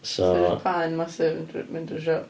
So... So jyst paun massive yn mynd d- drwy siop.